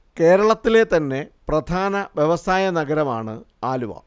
കേരളത്തിലെ തന്നെ പ്രധാന വ്യവസായ നഗരമാണ് ആലുവ